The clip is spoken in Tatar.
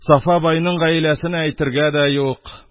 Сафа байның гаиләсене әйтергә дә юк.